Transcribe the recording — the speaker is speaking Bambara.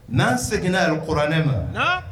N'an seginna yɛrɛ kuranɛ ma